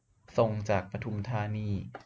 ส่งจากปทุมธานี